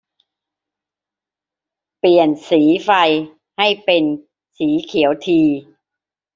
เปลี่ยนสีไฟให้เป็นสีเขียวที